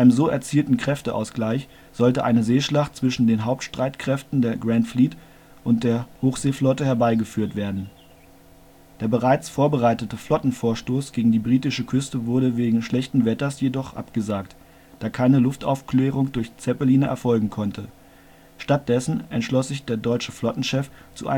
so erzielten Kräfteausgleich sollte eine Seeschlacht zwischen den Hauptkräften der Grand Fleet und der Hochseeflotte herbeigeführt werden. Der bereits vorbereitete Flottenvorstoß gegen die britische Küste wurde wegen schlechten Wetters jedoch abgesagt, da keine Luftaufklärung durch Zeppeline erfolgen konnte. Stattdessen entschloss sich der deutsche Flottenchef zu